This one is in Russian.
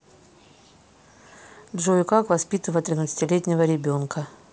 джой как воспитывать тринадцатилетнего ребенка